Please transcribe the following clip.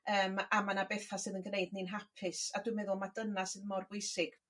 Yym a ma' 'na betha sydd yn gneud ni'n hapus a dwi'n meddwl ma' dyna sydd mor bwysig.